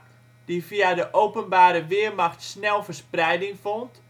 via de Openbare Weermacht snel verspreiding vond